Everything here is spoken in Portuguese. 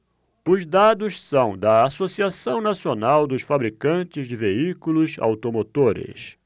os dados são da anfavea associação nacional dos fabricantes de veículos automotores